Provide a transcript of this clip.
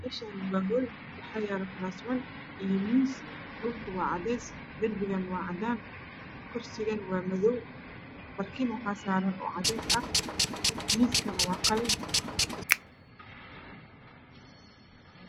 Ishan waa mowl waxaa yaalo kuraasmin iyo miis dhulka waa cadees darbiguna wa cadaan kursiga waa madow barkin waxaa saaran cades ah miskana waa qalin